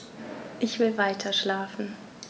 Ich will weiterschlafen.